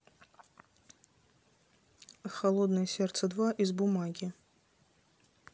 холодное сердце два из бумаги